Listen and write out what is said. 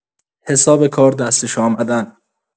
حساب کار دستش آمدن